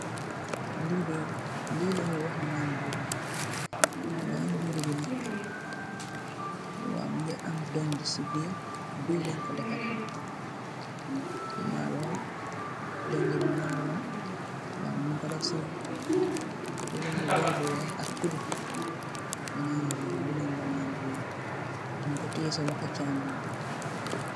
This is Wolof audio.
Ii dee, lii la ñoo wax naan mburru. Naan mburru bi nak, mu ngi am dooñgi si biir, buy lañge ko defaree. Dooñgi bi maalo la. Waaw, ñung ko def si wéñgi bool bu weex ak kuddu. Naanburu, lii lañuy wax naamburu